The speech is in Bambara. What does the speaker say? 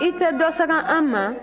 i tɛ dɔ singa an ma